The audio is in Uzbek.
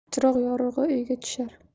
chiroq yorug'i uyga tushar